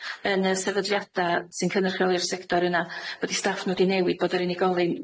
yn y sefydliada sy'n cynrychioli'r sector yna, bod 'u staff nw 'di newid, bod yr unigolyn-